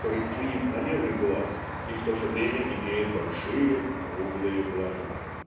который крив на левый глаз и в то же время имеет большие круглые глаза.